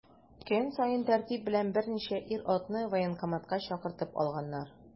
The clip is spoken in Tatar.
Көн саен тәртип белән берничә ир-атны военкоматка чакыртып алганнар.